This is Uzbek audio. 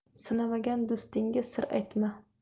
sinamagan do'stingga sir aytma